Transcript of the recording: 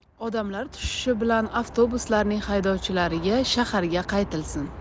odamlar tushishi bilan avtobuslarning haydovchilariga shaharga qaytilsin